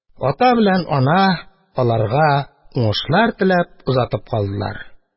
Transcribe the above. Ата белән ана аларга уңышлар теләп озатып калдылар.